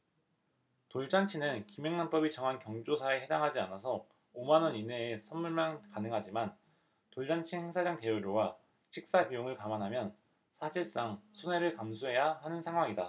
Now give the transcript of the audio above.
돌잔치는 김영란법이 정한 경조사에 해당하지 않아서 오 만원 이내의 선물만 가능하지만 돌잔치 행사장 대여료와 식사비용을 감안하면 사실상 손해를 감수해야 하는 상황이다